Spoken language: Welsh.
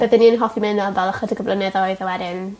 ...bydden i yn hoffi myn' amdan ychydig o flynyddoedd a wedyn